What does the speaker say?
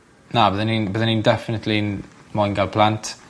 na fydden i'n bydden i'n definately'n moyn ga'l plant